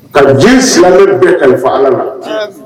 Ka ji silamɛlen bɛɛ kalifa ala la